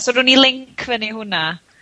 So rown ni linc fyny i hwnna.